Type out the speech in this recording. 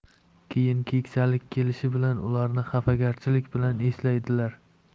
keyin keksalik kelishi bilan ularni xafagarchilik bilan eslaydilar a